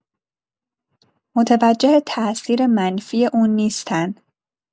متوجه تاثیر منفی اون نیستن